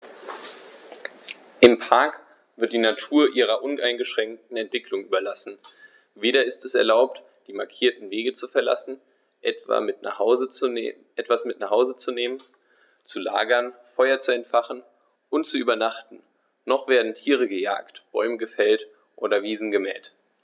Im Park wird die Natur ihrer uneingeschränkten Entwicklung überlassen; weder ist es erlaubt, die markierten Wege zu verlassen, etwas mit nach Hause zu nehmen, zu lagern, Feuer zu entfachen und zu übernachten, noch werden Tiere gejagt, Bäume gefällt oder Wiesen gemäht.